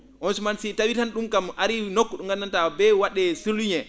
oon suman si tawii tan ?um kam arii nokku ?o nganndantaa be wa?ee souligné